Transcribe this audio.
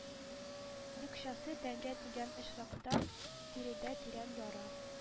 Екчасы тәнгә тигән очракта, тиредә тирән яра